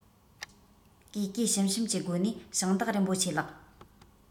གུས གུས ཞུམ ཞུམ གྱི སྒོ ནས ཞིང བདག རིན པོ ཆེ ལགས